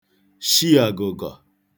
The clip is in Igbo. shi àgụ̀gọ̀